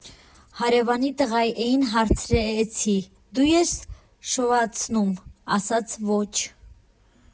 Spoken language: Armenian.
Հարևանի տղային հարցրեցի՝ դու ե՞ս շվացնում, ասաց՝ ոչ։